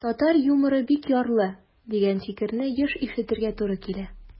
Татар юморы бик ярлы, дигән фикерне еш ишетергә туры килә.